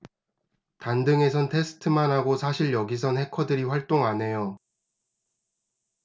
단둥에선 테스트만 하고 사실 여기선 해커들이 활동 안 해요